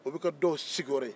o bɛ kɛ dɔw sigiyɔrɔ ye